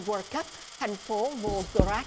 ua cắp thành phố vô gơ rát